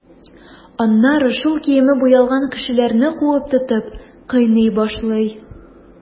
Аннары шул киеме буялган кешеләрне куып тотып, кыйный башлый.